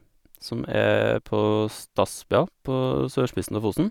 Som er på Stadsbygda, på sørspissen av Fosen.